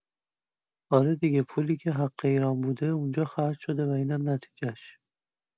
آره دیگه پولی که حق ایران بوده اونجا خرج شده و اینم نتیجش